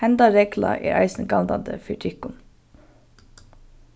henda regla er eisini galdandi fyri tykkum